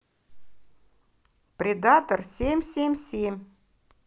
предатор семь семь семь